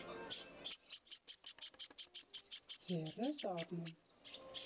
֊ Ձեռ ես առնու՞մ…